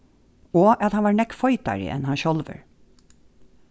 og at hann var nógv feitari enn hann sjálvur